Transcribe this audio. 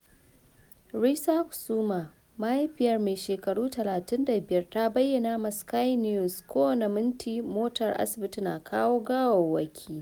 Risa Kusuma, mahaifiyar mai shekaru 35, ta bayyana ma Sky News: "Kowane minti motar asibiti na kawo gawawwaki.